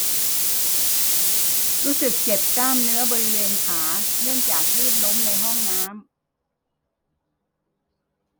รู้สึกเจ็บกล้ามเนื้อบริเวณขาเนื่องจากลื่นล้มในห้องน้ำ